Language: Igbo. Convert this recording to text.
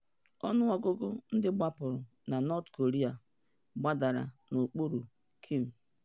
Ọnụọgụ ndị gbapụrụ na North Korea ‘gbadara’ n’okpuru Kim